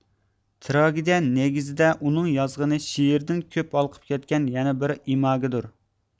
تىراگىدىيە نېگىزىدە ئۇنىڭ يازغىنى شېئىردىن كۆپ ھالقىپ كەتكەن يەنە بىر ئىماگدۇر